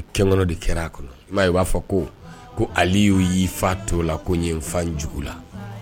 Kɛ de kɛra a kɔnɔ i b'a fɔ ko ko ali y'u y'i faa to la ko n ye n fajugu la